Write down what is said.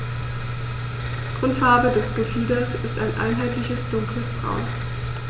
Grundfarbe des Gefieders ist ein einheitliches dunkles Braun.